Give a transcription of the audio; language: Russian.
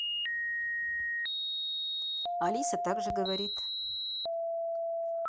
алиса так же говорит